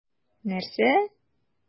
Нәрсә?!